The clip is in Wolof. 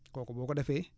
kooku boo ko defee